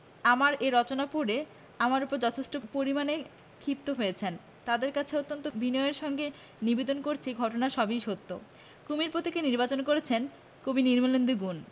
আমার এই রচনা পড়ে আমার উপর যথেষ্ট পরিমাণে ক্ষিপ্ত হয়েছেন তাঁদের কাছে অত্যন্ত বিনয়ের সঙ্গে নিবেদন করছি ঘটনা সবই সত্য কুমীর প্রতীকে নির্বাচন করেছেন কবি নির্মলেন্দু গুণ